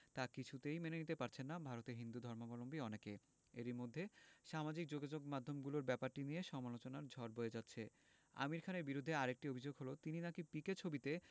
তা কিছুতেই মেনে নিতে পারছেন না ভারতের হিন্দুধর্মাবলম্বী অনেকে এরই মধ্যে সামাজিক যোগাযোগমাধ্যমগুলোয় ব্যাপারটি নিয়ে সমালোচনার ঝড় বয়ে যাচ্ছে আমির খানের বিরুদ্ধে আরেকটি অভিযোগ হলো তিনি নাকি পিকে ছবিতে